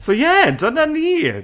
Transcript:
So yeah, dyna ni!